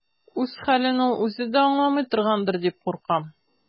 Үз хәлен ул үзе дә аңламый торгандыр дип куркам.